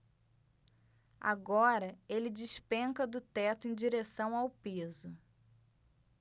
agora ele despenca do teto em direção ao piso